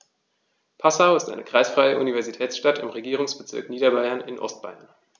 Passau ist eine kreisfreie Universitätsstadt im Regierungsbezirk Niederbayern in Ostbayern.